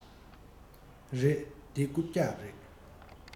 རེད འདི རྐུབ བཀྱག རེད